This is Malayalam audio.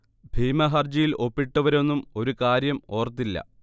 ഭീമ ഹർജിയിൽ ഒപ്പിട്ടവരൊന്നും ഒരു കാര്യം ഓർത്തില്ല